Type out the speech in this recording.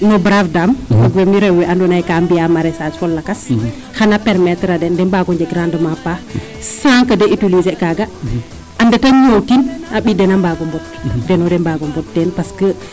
nos brave Dame maag wemi rew we ando naye gaa mbiya marraichage fo lakas xana premettre a den de mbaago njeg rendement paax ca que de utiliser kaaga a mbeta nin o kiin xa mbiy den a mbaago mbong deno de mbaago mbong teen parce que